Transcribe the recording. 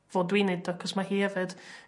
fod dwi'n neud 'c'os mae hi efyd